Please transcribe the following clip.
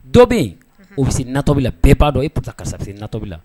Dɔ bɛ yen o bɛ natɔbi la bɛɛ b'a dɔn e p karisa natɔbili la